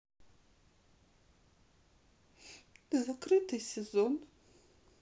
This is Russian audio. закрытый сезон